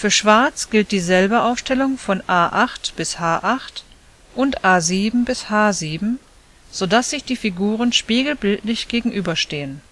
Schwarz gilt diesselbe Aufstellung von a8 bis h8 und a7 bis h7, so dass sich die Figuren spiegelbildlich gegenüber stehen